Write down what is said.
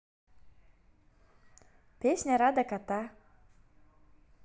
песня рада кота